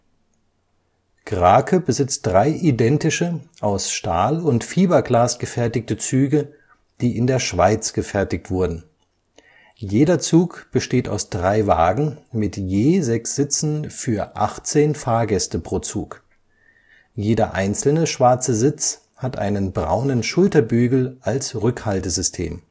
Krake besitzt drei identische aus Stahl und Fiberglas gefertigte Züge, die in der Schweiz gefertigt wurden. Jeder Zug besteht aus drei Wagen mit je sechs Sitzen für 18 Fahrgäste pro Zug. Jeder einzelne schwarze Sitz hat einen braunen Schulterbügel als Rückhaltesystem